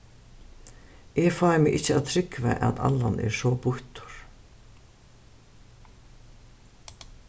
eg fái meg ikki at trúgva at allan er so býttur